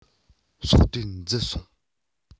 སྲོག བསྡོས འཛུལ སོང